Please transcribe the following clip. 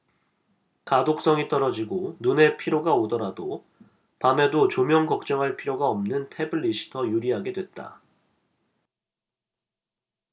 가독성이 떨어지고 눈의 피로가 오더라도 밤에도 조명 걱정할 필요가 없는 태블릿이 더 유리하게 됐다